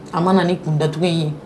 A ma na ni kun da tugun ye.